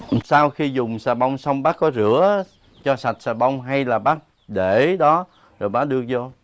sau khi dùng xà bông xong bác có rửa cho sạch xà bông hay là bác để đó rồi bác đưa vô